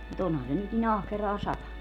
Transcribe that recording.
mutta onhan se nyt niin ahkeraan satanut